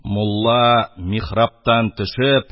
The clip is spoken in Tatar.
Мулла, михрабтан төшеп,